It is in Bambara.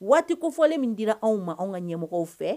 Waati kofɔlen min dira anw ma anw ka ɲɛmɔgɔ fɛ